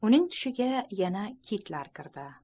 uning tushiga yana kitlar kirdi